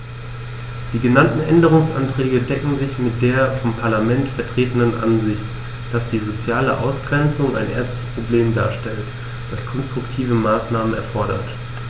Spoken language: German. Die genannten Änderungsanträge decken sich mit der vom Parlament vertretenen Ansicht, dass die soziale Ausgrenzung ein ernstes Problem darstellt, das konstruktive Maßnahmen erfordert.